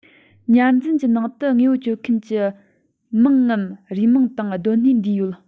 ཉར འཛིན གྱི ནང དུ དངོས པོ བཅོལ མཁན གྱི མིང ངམ རུས མིང དང སྡོད གནས འདུས ཡོད